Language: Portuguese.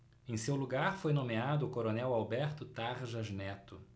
em seu lugar foi nomeado o coronel alberto tarjas neto